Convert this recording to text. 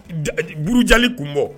Burujali tun bɔ